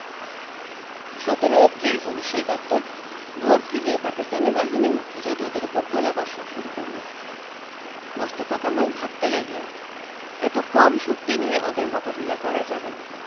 ১৭ April ১৯৭১ ভোর থেকেই পাকিস্তানি বাহিনী মুক্তিযোদ্ধাদের উপর গোলাবর্ষণ শুরু করল মোস্তফা কামাল ভাবতে লাগলেন এত কম শক্তি নিয়ে ওদের মোকাবিলা করা যাবে না